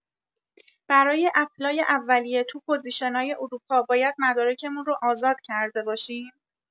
برای اپلای اولیه تو پوزیشنای اروپا باید مدارکمون رو آزاد کرده باشیم؟